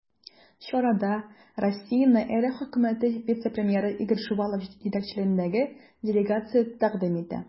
Чарада Россияне РФ Хөкүмәте вице-премьеры Игорь Шувалов җитәкчелегендәге делегация тәкъдим итә.